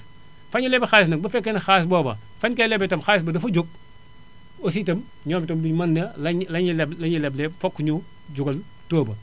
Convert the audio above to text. fa ñuy lebee xalis nag bu fekkee ni xaalis booba fa ñu koy lebee xaalis ba dafa jóg aussi itam ñoom itam duñu mën a la ñu la ñu leble fokk ñu jógal taux ba